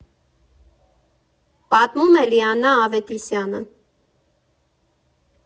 Պատմում է Լիաննա Ավետիսյանը։